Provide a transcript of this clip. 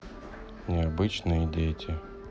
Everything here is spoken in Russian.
необычные дети